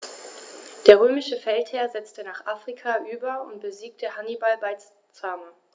Der römische Feldherr setzte nach Afrika über und besiegte Hannibal bei Zama.